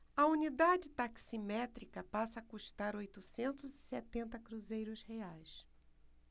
a unidade taximétrica passa a custar oitocentos e setenta cruzeiros reais